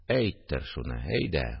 – әйттер шуны, әйдә